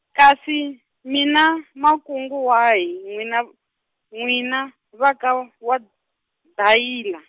kasi, mi na makungu, wahi, n'wina, n'wina va ka, waDayila?